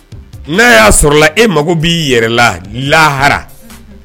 N' a y a sɔrɔ la e mago b'i yɛrɛla lahara